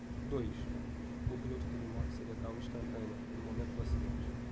dois o piloto teve morte cerebral instantânea no momento do acidente